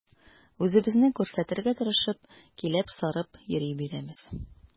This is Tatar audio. Үзебезне күрсәтергә тырышып, киләп-сарып йөри бирәбез.